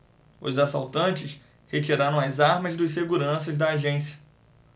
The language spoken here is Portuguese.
os assaltantes retiraram as armas dos seguranças da agência